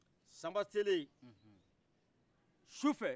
sanba sele sufɛ